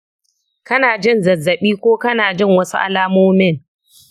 kana jin zazzabi ko kana jin wasu alamomin?